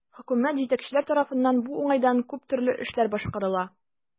Хөкүмәт, җитәкчеләр тарафыннан бу уңайдан күп төрле эшләр башкарыла.